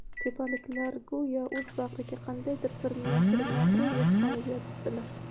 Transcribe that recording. tepaliklar go'yo o'z bag'riga qandaydir sirni yashirib mag'rur yastanib yotibdilar